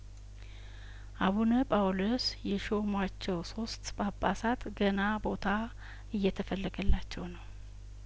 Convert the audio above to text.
አቡነ ጳውሎስ የሾ ሟቸው ሶስት ጳጳሳት ገና ቦታ እየተፈለገላቸው ነው